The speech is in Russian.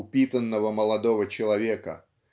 упитанного молодого человека